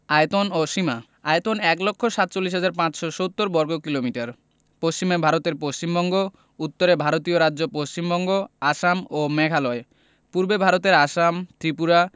আয়তন ও সীমাঃ আয়তন ১লক্ষ ৪৭হাজার ৫৭০বর্গকিলোমিটার পশ্চিমে ভারতের পশ্চিমবঙ্গ উত্তরে ভারতীয় রাজ্য পশ্চিমবঙ্গ আসাম ও মেঘালয় পূর্বে ভারতের আসাম ত্রিপুরা